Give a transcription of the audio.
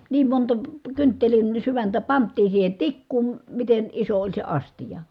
niin monta kynttilän sydäntä pantiin siihen tikkuun miten iso oli se astia